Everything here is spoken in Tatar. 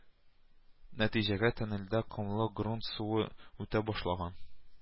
Нәтиҗәдә тоннельгә комлы грунт суы үтә башлаган